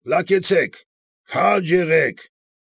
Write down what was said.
Լակեցեք։ Քա՛ջ եղեք։